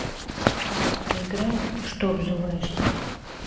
ты старый поиграем что обзываешься